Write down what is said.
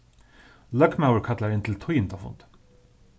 løgmaður kallar inn til tíðindafund